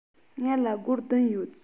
ང ལ སྒོར བདུན ཡོད